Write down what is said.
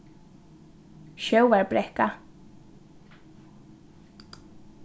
sjóvarbrekka